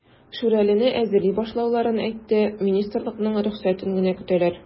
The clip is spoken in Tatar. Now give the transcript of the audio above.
"шүрәле"не әзерли башлауларын әйтте, министрлыкның рөхсәтен генә көтәләр.